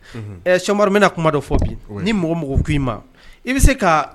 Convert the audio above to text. Ma